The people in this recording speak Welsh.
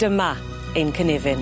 Dyma ein cynefin.